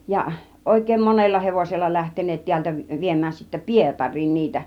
ja oikein monella hevosella lähteneet täältä - viemään sitten Pietariin niitä